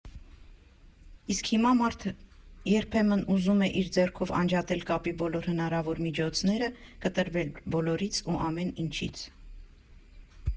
Իսկ հիմա մարդ երբեմն ուզում է իր ձեռքով անջատել կապի բոլոր հնարավոր միջոցները, կտրվել բոլորից ու ամեն ինչից։